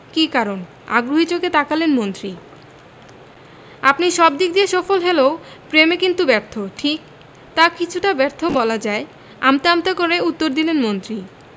কী কারণ আগ্রহী চোখে তাকালেন মন্ত্রী আপনি সব দিক দিয়ে সফল হেলও প্রেমে কিন্তু ব্যর্থ ঠিক ‘তা কিছুটা ব্যর্থ বলা যায় আমতা আমতা করে উত্তর দিলেন মন্ত্রী